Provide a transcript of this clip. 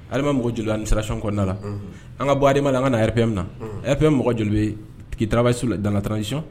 ADEMA mɔgɔ joli bɛ administration kɔnɔna la? Unhun, An ka bɔ ADEMA na, an ka na RPM na RPM mɔgɔ joli qui travaille sur la transition